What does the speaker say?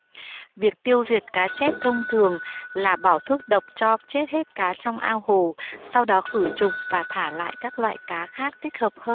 việc tiêu diệt cá chép thông thường là bỏ thuốc độc cho chết hết cá trong ao hồ sau đó khử trùng và thả lại các loại cá khác thích hợp hơn